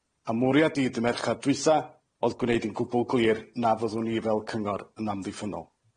A'n mwriad i dy' Merchar dwytha o'dd gwneud yn gwbwl glir na fyddwn ni fel cyngor yn amddiffynnol.